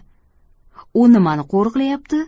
u nima ni qo'riqlayapti